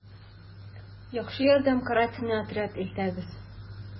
«яхшы ярдәм, карательный отряд илтәбез...»